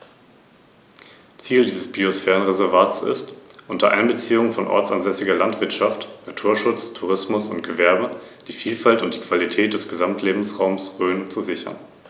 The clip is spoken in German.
Durch das Rahmenkonzept des Biosphärenreservates wurde hier ein Konsens erzielt.